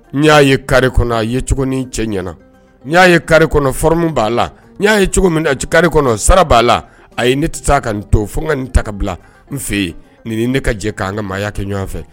N y'a ye carré kɔnɔ a ye cogoni cɛ ɲɛnɛ na n y'a ye carré kɔnɔ forme b'a la n y'a ye cogo min na carré kɔnɔ sara b'a la ayi ne tɛ taa ka ni to fo ka nin ta ka bila n fɛ yen nin ne ka jɛ k'an ka maaya kɛ ɲɔgɔn fɛ.